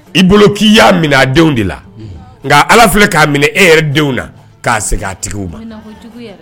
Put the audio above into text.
I bolo k'i y'a minɛ a denw de la nka ala filɛ k'a minɛ e yɛrɛ denw na k'a segin a tigi ma